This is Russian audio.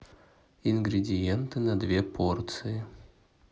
ингредиенты на две порции